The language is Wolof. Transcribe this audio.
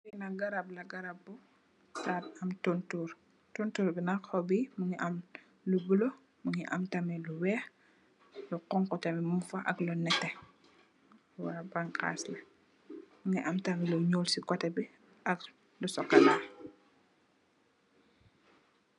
Lii nak garab la, garab bu start am tohntorre, tohntorre bii nak hohbi mungy am lu bleu, mungy am tamit lu wekh, lu honhu tamit mung fa ak lu nehteh, lu njull cii coteh bii ak lu chocolat, wa bankhass bii,